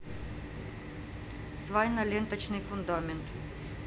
свайно ленточный фундамент